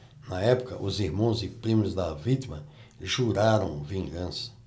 na época os irmãos e primos da vítima juraram vingança